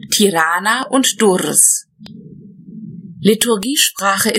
Tirana und Durrës. Liturgiesprache